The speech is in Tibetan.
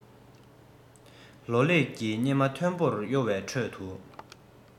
ལོ ལེགས ཀྱི སྙེ མ མཐོན པོར གཡོ བའི ཁྲོད དུ